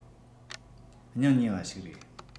སྙིང ཉེ བ ཞིག རེད